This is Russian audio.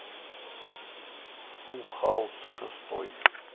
фулл хаус шестой